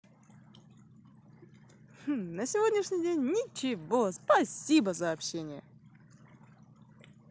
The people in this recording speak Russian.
на сегодняшний день ничего спасибо за общение